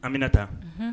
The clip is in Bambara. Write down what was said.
An bɛna taa